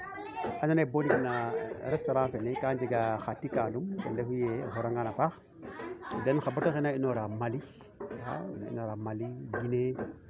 raw xot soo rabid fop moof keene ndax a jega ndax jege wala keene rek yoqu no ke i mbarna muukit ok